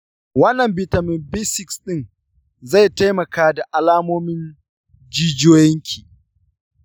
wannan bitamin b6 ɗin zai taimaka da alamomin jijiyoyinki.